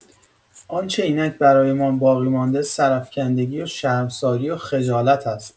آن‌چه اینک برایمان باقی‌مانده سرافکندگی و شرمساری و خجالت است.